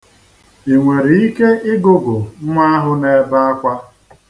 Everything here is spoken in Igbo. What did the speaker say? I nwere ike ịgụgụ nnwa ahụ na-ebe akwa.